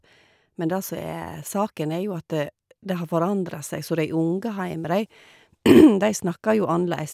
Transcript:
Men det som er saken, er jo at det har forandra seg, så de unge heime, de de snakker jo annleis.